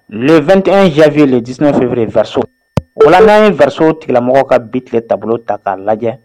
2tɛnyvyelidis feereurfaso walasafaso tigilamɔgɔ ka bitigɛ taabolo ta k'a lajɛ